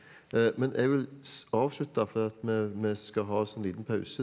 men jeg vil avslutte fordi at vi vi skal ha oss en liten pause.